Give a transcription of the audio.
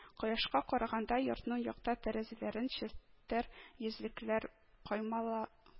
Кояшка караганда йортның якта тәрәзәләрен челтәр йөзлекләр каймала